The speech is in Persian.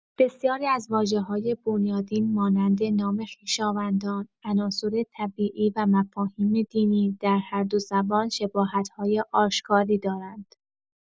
بسیاری از واژه‌های بنیادین مانند نام خویشاوندان، عناصر طبیعی و مفاهیم دینی، در هر دو زبان شباهت‌های آشکاری دارند.